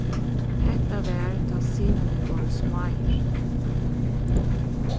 hetta var tá synirnir vóru smáir